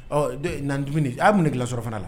Ɔ, den na ni dumuni ye, a ye mun dilan surafana la?